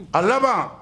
A laban